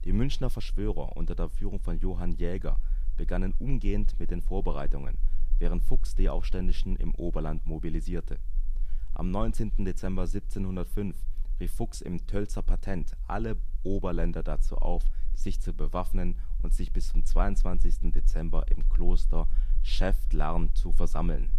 Münchener Verschwörer unter der Führung von Johann Jäger begannen umgehend mit den Vorbereitungen, während Fuchs die Aufständischen im Oberland mobilisierte. Am 19. Dezember 1705 rief Fuchs im Tölzer Patent alle Oberländer dazu auf, sich zu bewaffnen und sich bis zum 22. Dezember im Kloster Schäftlarn zu versammeln